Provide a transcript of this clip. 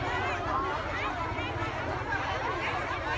có gì